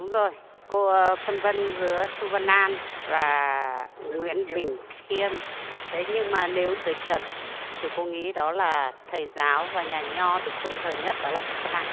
đúng rồi cô phân vân giữa chu văn an và nguyễn bỉnh khiêm thế nhưng mà nếu thời trần thì cô nghĩ đó là thầy giáo và nhà nho được tôn thờ nhất là chu văn an